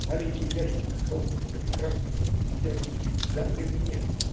Маленький ящик с холстиками, красками и кистями всегда при мне.